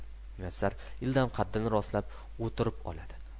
muyassar ildam qaddini rostlab o'tirib oladi